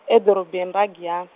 edorobeni ra Giyani.